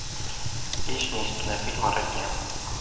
песня из кинофильма родня